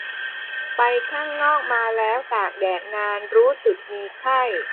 ไปข้างนอกมาแล้วตากแดดนานรู้สึกมีไข้